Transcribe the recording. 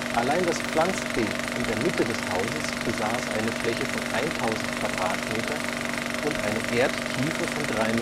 Allein das Pflanzbeet in der Mitte des Hauses besaß eine Fläche von 1.000 m² und eine Erdtiefe von 3,50